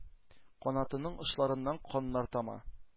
Канатының очларыннан каннар тама,